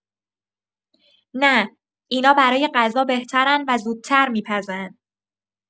نه، اینا برای غذا بهترن و زودتر می‌پزن.